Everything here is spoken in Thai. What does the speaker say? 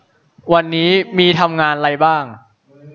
วันนี้มีทำงานไรบ้าง